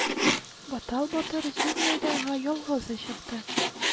Баттал батыр зур мәйданга ялгызы чыкты.